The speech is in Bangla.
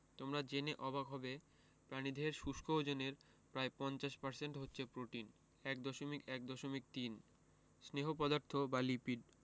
তোমরা জেনে অবাক হবে প্রাণীদেহের শুষ্ক ওজনের প্রায় ৫০% হচ্ছে প্রোটিন ১.১.৩ স্নেহ পদার্থ বা লিপিড